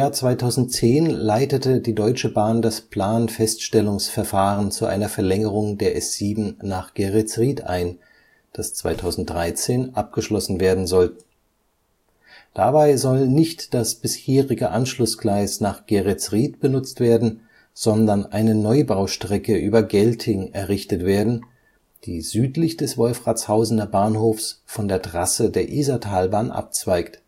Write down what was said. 2010 leitete die Deutsche Bahn das Planfeststellungsverfahren zu einer Verlängerung der S7 nach Geretsried ein, das 2013 abgeschlossen werden soll. Dabei soll nicht das bisherige Anschlussgleis nach Geretsried benutzt werden, sondern eine Neubaustrecke über Gelting errichtet werden, die südlich des Wolfratshausener Bahnhofs von der Trasse der Isartalbahn abzweigt